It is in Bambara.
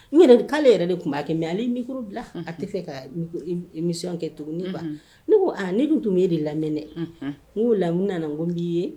N yɛrɛ k'ale yɛrɛ de tun b'a kɛ mais ale ye micro bila a tɛ fɛ ka émission kɛ tuguni quoi unhun, ne ko a ne dun tun bɛ e de lamɛn dɛ, unhun, n k'o la n nana n ko b'i ye